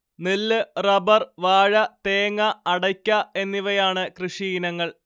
നെല്ല് റബ്ബർ വാഴ തേങ്ങ അടയ്ക്ക് എന്നിവയാണ് കൃഷിയിനങ്ങൾ